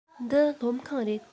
འདི སློབ ཁང རེད